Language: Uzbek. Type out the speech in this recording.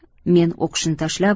men o'qishni tashlab